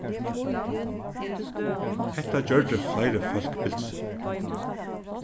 hetta gjørdi fleiri fólk bilsin